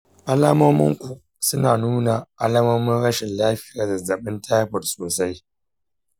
alamomin ku suna nuna alamun rashin lafiyar zazzabin taifot sosai.